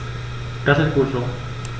Das ist gut so.